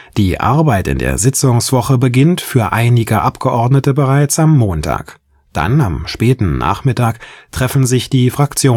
Die Arbeit in der Sitzungswoche beginnt für einige Abgeordnete bereits am Montag. Dann, am späten Nachmittag, treffen sich die Fraktionsvorstände